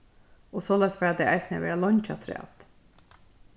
og soleiðis fara tey eisini at vera leingi afturat